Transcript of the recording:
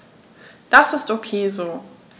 Das ist ok so.